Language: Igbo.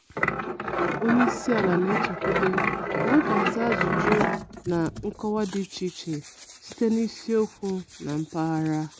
Onyeisiala na-echekwube na ọ ga-aza ajụjụ na nkọwa dị iche iche site n'isi okwu na mpaghara.